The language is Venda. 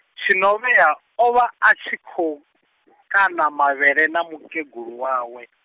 Tshinovhea, o vha a tshi khou, kana mavhele na makhulu wawe.